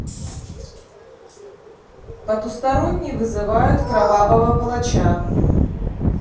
потусторонние вызывают кровавого палача